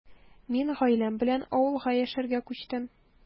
Мин гаиләм белән авылга яшәргә күчтем.